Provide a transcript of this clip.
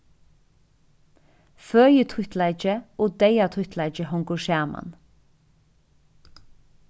føðitíttleiki og deyðatíttleiki hongur saman